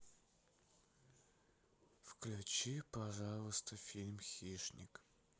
включи пожалуйста фильм хищник